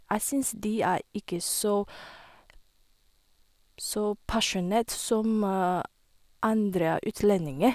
Jeg syns de er ikke så så pasjonert som andre utlendinger.